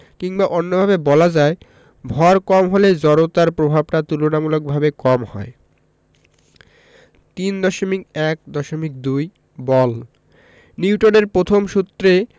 কিংবা অন্যভাবে বলা যায় ভর কম হলে জড়তার প্রভাবটা তুলনামূলকভাবে কম হয় ৩.১.২ বল নিউটনের প্রথম সূত্রে